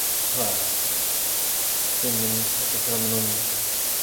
fatha ddim yn edrych fel ma' nw'n